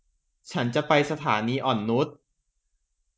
ฉันจะไปสถานีอ่อนนุช